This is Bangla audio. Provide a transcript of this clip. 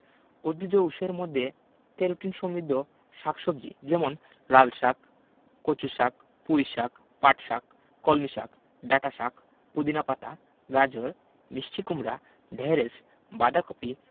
উদ্ভিজ্জ উৎসের মধ্যে ক্যারোটিন সমৃদ্ধ শাকসবজি যেমন লালশাক কচুশাক পুঁইশাক পাটশাক কলমিশাক ডাঁটাশাক পুদিনা পাতা গাজর মিষ্টি কুমড়া ঢেঁড়স বাঁধাকপি